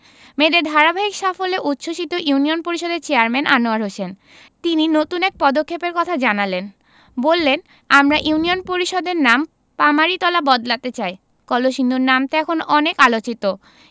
মেয়েদের ধারাবাহিক সাফল্যে উচ্ছ্বসিত ইউনিয়ন পরিষদের চেয়ারম্যান আনোয়ার হোসেন তিনি নতুন এক পদক্ষেপের কথা জানালেন বললেন আমরা ইউনিয়ন পরিষদের নাম গামারিতলা বদলাতে চাই কলসিন্দুর নামটা এখন অনেক আলোচিত